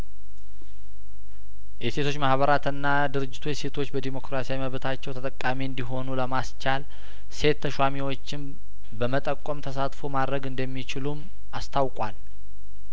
የሴቶች ማህበራትና ድርጅቶች ሴቶች በዴሞክራሲያዊ መብታቸው ተጠቃሚ እንዲሆኑ ለማስቻል ሴት ተሿሚዎችም በመጠቆም ተሳትፎ ማድረግ እንደሚችሉም አስታውቋል